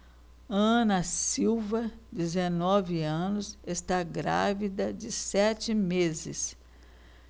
ana silva dezenove anos está grávida de sete meses